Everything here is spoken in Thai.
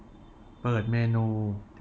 เปิดเมนู